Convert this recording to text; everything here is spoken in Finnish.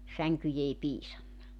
sänkyjä ei piisannut